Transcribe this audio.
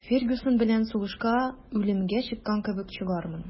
«фергюсон белән сугышка үлемгә чыккан кебек чыгармын»